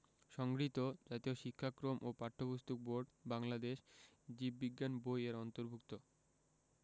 সংগৃহীত জাতীয় শিক্ষাক্রম ও পাঠ্যপুস্তক বোর্ড বাংলাদেশ জীব বিজ্ঞান বই এর অন্তর্ভুক্ত